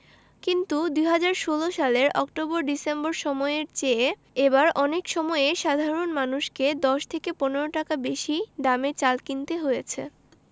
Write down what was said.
কিন্তু ২০১৬ সালের October December সময়ের চেয়ে এবার একই সময়ে সাধারণ মানুষকে ১০ থেকে ১৫ টাকা বেশি দামে চাল কিনতে হয়েছে